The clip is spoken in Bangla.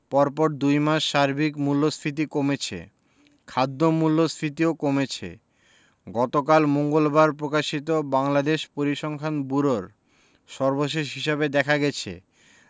পরপর দুই মাস সার্বিক মূল্যস্ফীতি কমেছে খাদ্য মূল্যস্ফীতিও কমেছে গতকাল মঙ্গলবার পকাশিত বাংলাদেশ পরিসংখ্যান ব্যুরোর সর্বশেষ হিসাবে দেখা গেছে